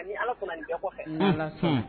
Ŋa ni Ala sɔnna nin bɛɛ kɔfɛ unhun ni Ala sɔnna